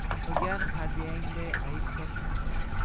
olgan hadyangday ayb topma